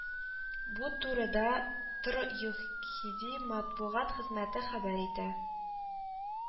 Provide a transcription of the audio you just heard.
Бу турыда ТыР ЮХИДИ матбугат хезмәте хәбәр итә